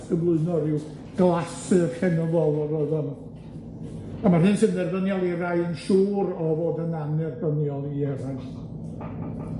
gyflwyno ryw glasur llenyddol o'dd oedd yn, a ma'r hyn sy'n dderbyniol i rai yn siŵr o fod yn anerbyniol i eraill.